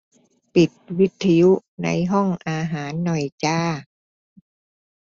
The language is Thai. ปิดวิทยุในห้องอาหารหน่อยจ้า